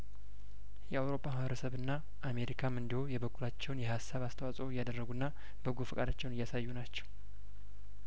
የአውሮፓ ማህበረሰብና አሜሪካም እንዲሁ የበኩላቸውን የሀሳብ አስተዋጽኦ እያደረጉና በጐ ፈቃዳቸውን እያሳዩ ናቸው